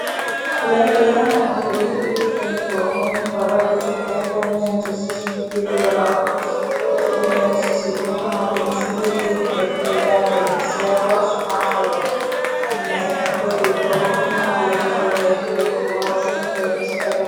Lekk yi nga xamante dañ koy jufandikoo mëñuy fara di jox ay ferñene ci suñu biir yaram li ci dëmeoni socide nga xamante ni ci giir-géeji lañ koy jàppe mu seer loor chmachab mu neex nga koy jur togg ko niñ ko bogas toggee lekk ku wala sañu koy reb ci ebe.